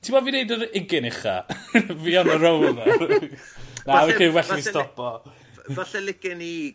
Ti moyn fi neud yr ugen ucha? Fi arno roll nawr. Na oce well i ni stopo. Falle licen i